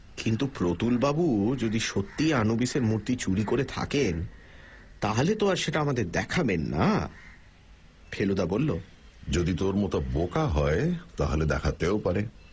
কিন্তু প্রতুল বাবু যদি সত্যিই আনুবিস এর মুর্তি চুরি করে থাকেন তাহলে তো আর সেটা আমাদের দেখাবেন না ফেলুদা বলল যদি তোর মতো বোকা হয় তা হলে দেখাতেও পারে